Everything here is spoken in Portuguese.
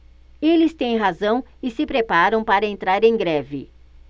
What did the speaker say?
eles têm razão e se preparam para entrar em greve